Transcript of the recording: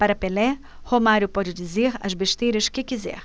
para pelé romário pode dizer as besteiras que quiser